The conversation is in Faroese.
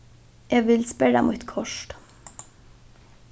eg vil sperra mítt kort